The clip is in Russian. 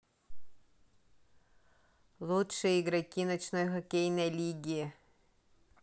лучшие игроки ночной хоккейной лиги